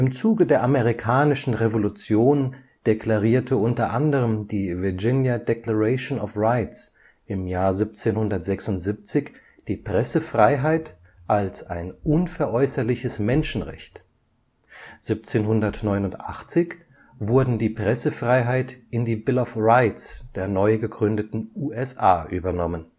Zuge der Amerikanischen Revolution deklarierte u. a. die Virginia Declaration of Rights 1776 die Pressefreiheit als ein unveräußerliches Menschenrecht, 1789 wurden die Pressefreiheit in die Bill of Rights der neu gegründeten USA übernommen